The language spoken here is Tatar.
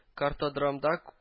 Картодромда